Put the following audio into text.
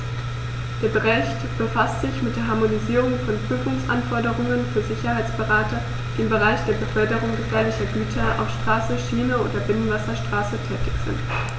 Der Bericht befasst sich mit der Harmonisierung von Prüfungsanforderungen für Sicherheitsberater, die im Bereich der Beförderung gefährlicher Güter auf Straße, Schiene oder Binnenwasserstraße tätig sind.